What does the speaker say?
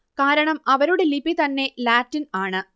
കാരണം അവരുടെ ലിപി തന്നെ ലാറ്റിൻ ആണ്